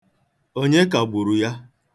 Onye kagburu ya?